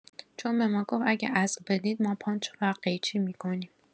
چون به ما گفت اگه اصل بدید ما پانچ و قیچی می‌کنیم